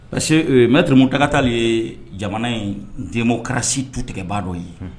Parce que mɛtrmmu tagakata ye jamana in denmokarasi tu tigɛbaa dɔ ye